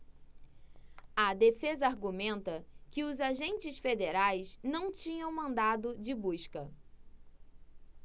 a defesa argumenta que os agentes federais não tinham mandado de busca